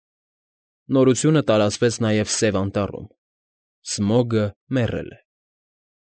Նորությունը տարածվեց նաև Սև Անտառում՝ «Սմոգը մեռել է»։